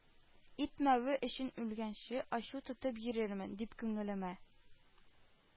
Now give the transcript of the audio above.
Итмәве өчен үлгәнче ачу тотып йөрермен, дип күңелемә